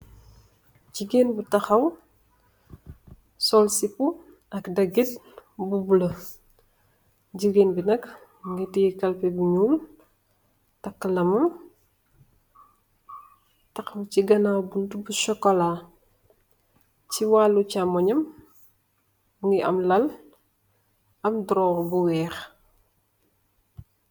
Gigeen bu taxaw sol sipu ak dagger bu bula. Gigeen bi nak mugii teyeh kalpèh bu ñuul, takka lamam taxaw ci ganaw buntu bu sokola. Ci walu camooy am mugii am lal am duró bu wèèx.